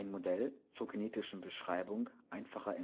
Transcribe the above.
Modell zur kinetischen Beschreibung einfacher